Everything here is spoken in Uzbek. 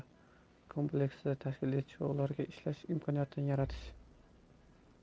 kompleksida tashkil etish va ularga ishlash imkoniyatini yaratish